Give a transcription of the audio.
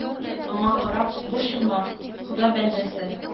Аңа карап: “борчылма, хода бәндәсе,